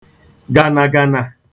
gànàgànà